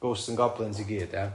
ghosts and goblins i gyd ia?